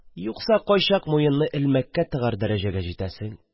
Юкса кайчак муенны элмәккә тыгар дәрәҗәгә җитәсең!